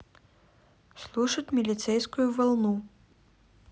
слушать милицейскую волну